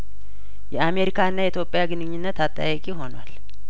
የአሜሪካና የኢትዮጵያ ግንኙነት አጠያያቂ ሆኗል